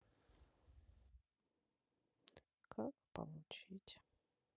как получить